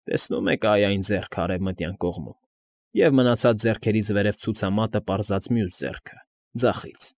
Տեսնո՞ւմ եք ա՜յ այն ձեռքը արևմտյան կողմում և մնացած ձեռքերից վերև ցուցամատը պարզած մյուս ձեռքը, ձախից։